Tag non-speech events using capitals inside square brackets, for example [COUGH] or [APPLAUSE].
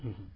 [HESITATION] [HESITATION]